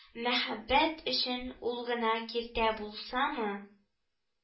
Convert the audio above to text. Мәхәббәт өчен ул гына киртә булсамы…